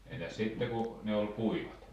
entäs sitten kun ne oli kuivat